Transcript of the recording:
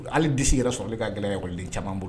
Hali desi yɛrɛ sɔrɔli ka gɛlɛyawaleden caman bolo